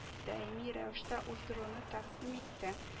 Даими рәвештә уздыруны тәкъдим итте